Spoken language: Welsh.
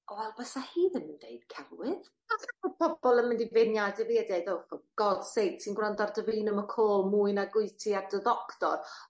wel bysa hi ddim yn deud celwydd. Falle bo' pobol yn mynd i beirniadu fi a deud oh for god's sake ti'n gwrando ar Davina McCall mwy nag wyt ti at dy ddoctor.